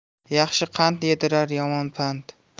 yaxshi qand yedirar yomon pand